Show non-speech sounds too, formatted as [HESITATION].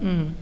[HESITATION] [HESITATION]